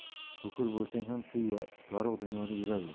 bukir bo'lsang ham shu yorug' dunyoda yuraver